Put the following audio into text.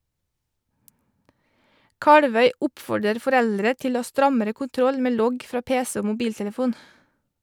Kalvøy oppfordrer foreldre til å ha strammere kontroll med logg fra pc og mobiltelefon.